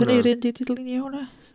Aneurin 'di dylunio hwnna?